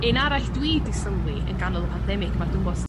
Un arall dwi 'di sylwi yn ganol y pandemic 'ma dw'mbo'